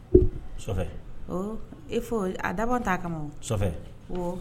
A dabɔ'a kama